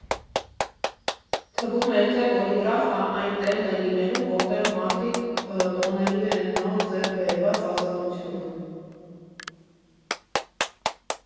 Թվում էր, թե Պոլիգրաֆը այն տեղն է լինելու, որտեղ մարդիկ տոնելու են նոր ձեռք բերված ազատությունը։